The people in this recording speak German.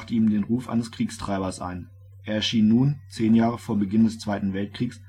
ihm den Ruf eines Kriegstreibers ein. Er erschien nun, 10 Jahre vor Beginn des 2. Weltkriegs